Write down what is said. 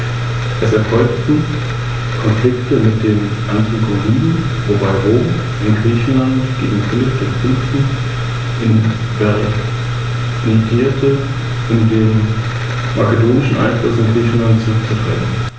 Je nach Dauer der Nutzung werden die Horste ständig erweitert, ergänzt und repariert, so dass über Jahre hinweg mächtige, nicht selten mehr als zwei Meter in Höhe und Breite messende Horste entstehen.